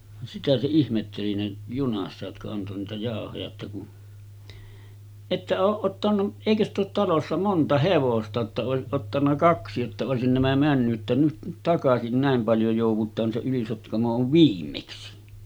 sitä se ihmetteli ne junassa jotka antoi niitä jauhoja että kun ette ole ottanut eikö sitä ole talossa monta hevosta jotta olisi ottanut kaksi jotta olisi nämä mennyt että nyt nyt takaisin näin paljon joudutaan se Yli-Sotkamo on viimeksi